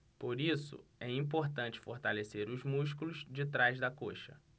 por isso é importante fortalecer os músculos de trás da coxa